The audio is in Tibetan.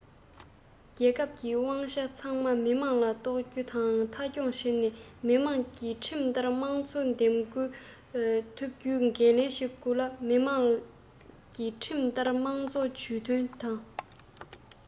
རྒྱལ ཁབ ཀྱི དབང ཆ ཚང མ མི དམངས ལ གཏོགས རྒྱུ མཐའ འཁྱོངས བྱས ནས མི དམངས ཀྱིས ཁྲིམས ལྟར དམངས གཙོ འདེམས བསྐོ ཐུབ རྒྱུའི འགན ལེན བྱེད དགོས ལ མི དམངས ཀྱིས ཁྲིམས ལྟར དམངས གཙོ ཇུས འདོན དང